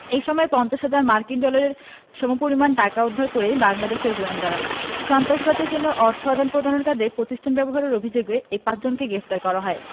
এ সময় ৫০ হাজার মার্কিন ডলারের সমপরিমাণ টাকা উদ্ধার করে বাংলাদেশের গোয়েন্দারা সন্ত্রাসবাদের জন্য অর্থ আদান প্রদানের কাজে প্রতিষ্ঠান ব্যবহারের অভিযোগে এই পাঁচজনকে গ্রেপ্তার করা হয়